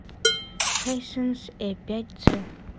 хайсенс а пять ц